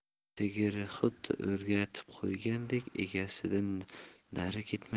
sigiri xuddi o'rgatib qo'ygandek egasidan nari ketmaydi